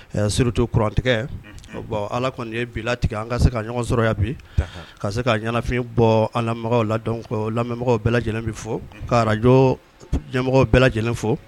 Surutu kurantigɛ bɔn ala kɔni bitigɛ an ka se ka ɲɔgɔn sɔrɔya bi ka se ka ɲɛnafin bɔ an la lamɛnmɔgɔ bɛɛ lajɛlen bɛ fɔ k'jmɔgɔ bɛɛ lajɛlen fo